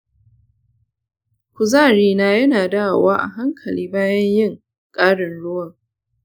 kuzarina ya na dawowa a hankali bayan yin ƙarin-ruwan.